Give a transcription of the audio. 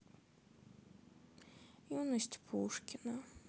юность пушкина